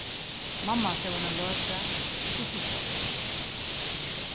mamma stóð eina løtu og so suffaði hon